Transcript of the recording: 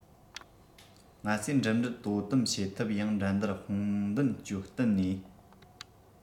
ང ཚོས འགྲིམ འགྲུལ དོ དམ བྱེད ཐབས ཡང འགྲན བསྡུར དཔུང མདུན བསྐྱོད བསྟུན ནས